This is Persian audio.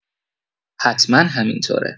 حتما همینطوره.